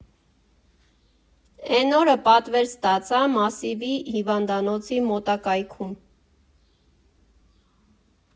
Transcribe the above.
Էն օրը պատվեր ստացա՝ Մասիվի հիվանդանոցի մոտակայքում։